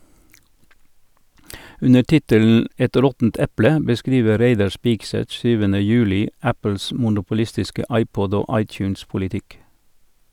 Under tittelen "Et råttent eple" beskriver Reidar Spigseth 7. juli Apples monopolistiske iPod- og iTunes-politikk.